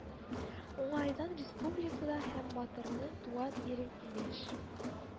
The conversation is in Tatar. Уңайдан республикада һәм батырның туган ире илеш